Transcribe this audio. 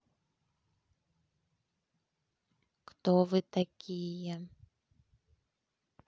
кто вы такие